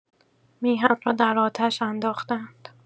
میهن را در آتش انداخته‌اند.